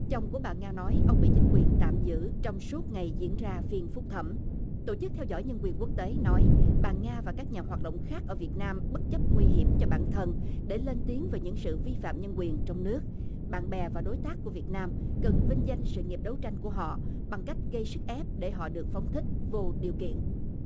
chồng của bà nga nói ông bị chính quyền tạm giữ trong suốt ngày diễn ra phiên phúc thẩm tổ chức theo dõi nhân quyền quốc tế nói bà nga và các nhà hoạt động khác ở việt nam bất chấp nguy hiểm cho bản thân để lên tiếng về những sự vi phạm nhân quyền trong nước bạn bè và đối tác của việt nam cần vinh danh sự nghiệp đấu tranh của họ bằng cách gây sức ép để họ được phóng thích vô điều kiện